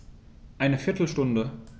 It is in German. Eine viertel Stunde